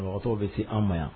Ɔgɔtɔ bɛ se an ma yan